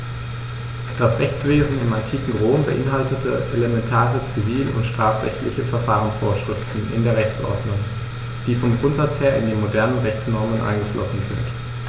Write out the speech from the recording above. Das Rechtswesen im antiken Rom beinhaltete elementare zivil- und strafrechtliche Verfahrensvorschriften in der Rechtsordnung, die vom Grundsatz her in die modernen Rechtsnormen eingeflossen sind.